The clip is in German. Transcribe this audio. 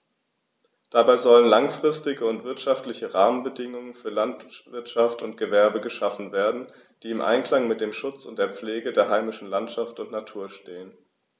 Dabei sollen langfristige und wirtschaftliche Rahmenbedingungen für Landwirtschaft und Gewerbe geschaffen werden, die im Einklang mit dem Schutz und der Pflege der heimischen Landschaft und Natur stehen.